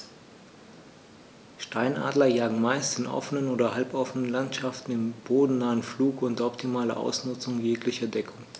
Steinadler jagen meist in offenen oder halboffenen Landschaften im bodennahen Flug unter optimaler Ausnutzung jeglicher Deckung.